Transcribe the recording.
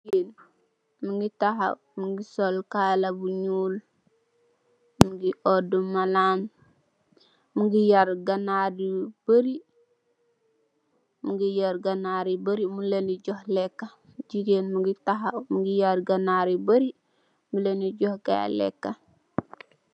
Amb jegueen na tahaw di johk aye ganar lekka